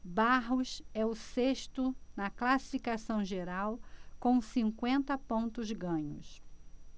barros é o sexto na classificação geral com cinquenta pontos ganhos